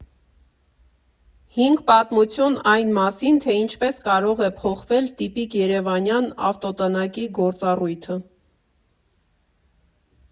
Հինգ պատմություն այն մասին, թե ինչպես կարող է փոխվել տիպիկ երևանյան ավտոտնակի գործառույթը։